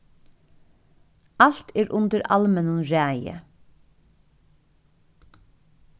alt er undir almennum ræði